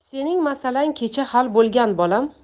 sening masalang kecha hal bo'lgan bola